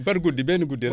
par guddi benn guddi rekk